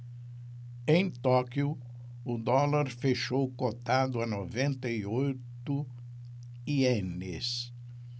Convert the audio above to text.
em tóquio o dólar fechou cotado a noventa e oito ienes